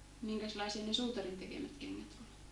minkäslaisia ne suutarin tekemät kengät oli